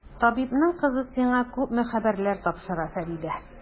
Табибның кызы сиңа күпме хәбәрләр тапшыра, Фәридә!